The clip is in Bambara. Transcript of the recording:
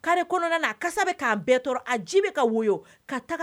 Kari